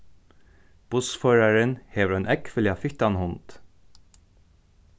bussførarin hevur ein ógvuliga fittan hund